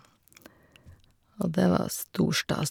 Og det var stor stas.